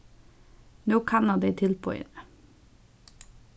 nú kanna tey tilboðini